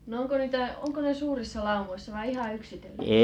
no onko niitä onko ne suurissa laumoissa vai ihan yksitellen